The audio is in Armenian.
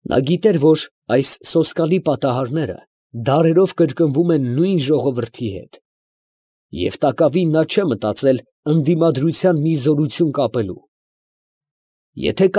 Նա գիտեր, որ այս սոսկալի պատահարները դարերով կրկնվում են նույն ժողովրդի հետ և տակավին նա չէ մտածել ընդդիմադրության մի զորություն կապելու։ «Եթե։